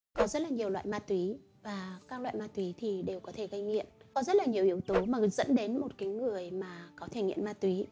có rất nhiều loại ma túy và các loại ma túy thì đều có thể gây nghiện có rất nhiều yếu tố mà dẫn tới một người có thể nghiện ma túy